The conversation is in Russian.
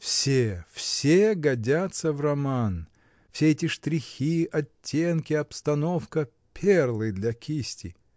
Все, все годятся в роман: все эти штрихи, оттенки, обстановка — перлы для кисти!